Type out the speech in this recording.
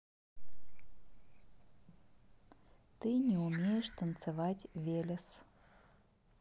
ты не умеешь танцевать велес